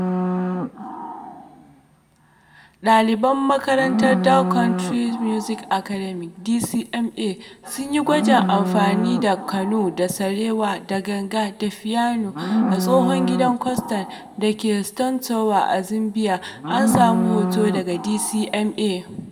ɗaliban makarantar Dhow Countries Music Academy (DCMA) sun yi gwajin amfani da ƙanun da sarewa da ganga da fiyano a tsohon gidan kwastam da ke Stone Town a Zanzibar. An samo hoton daga DCMA.